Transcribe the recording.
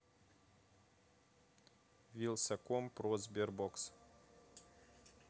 wylsacom про sberbox